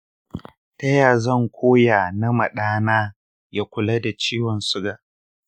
ta ya zan koya na ma ɗana ya kula da ciwon siga?